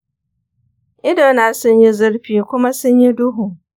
idona sun yi zurfi kuma sun yi duhu.